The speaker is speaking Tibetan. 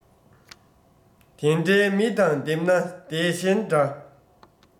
དེ འདྲའི མི དང བསྡེབས ནས བསྡད གཞན འདྲ